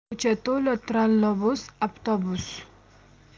ko'cha to'la trollobus aptobus